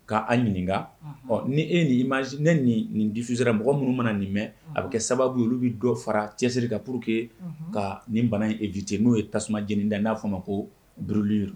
Ka a' ɲininka anhan ɔ ni e ye nin image ne nin nin diffuser ra mɔgɔ minnu mana nin mɛ unhun a bɛ kɛ sababu ye olu bi dɔ fara cɛsiri kan pour que unhun kaa nin bana in éviter n'o ye tasuma jeninda ye n'a bɛ f'o ma koo brulure